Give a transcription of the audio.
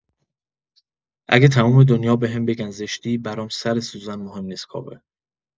اگه تموم دنیا بهم بگن زشتی برام سر سوزن مهم نیست کاوه.